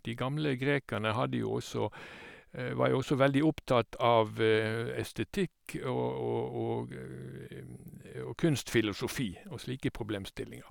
De gamle grekerne hadde jo også var jo også veldig opptatt av estetikk og og og og kunstfilosofi og slike problemstillinger.